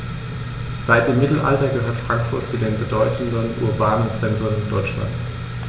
Seit dem Mittelalter gehört Frankfurt zu den bedeutenden urbanen Zentren Deutschlands.